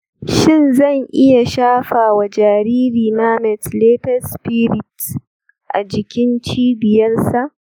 shin zan iya shafa wa jaririna methylated spirit a jikin cibiyarsa?